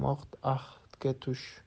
palov bermoq ahdga tush